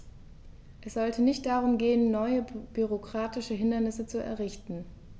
Es sollte nicht darum gehen, neue bürokratische Hindernisse zu errichten.